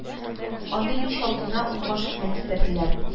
Аны мич алдына ут каршысына китерделәр